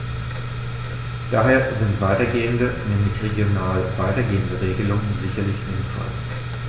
Daher sind weitergehende, nämlich regional weitergehende Regelungen sicherlich sinnvoll.